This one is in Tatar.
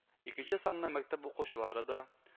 Икенче санлы мәктәп укучылары да